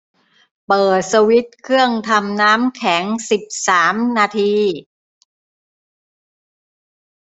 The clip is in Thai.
เปิดสวิตช์เครื่องทำน้ำแข็งสิบสามนาที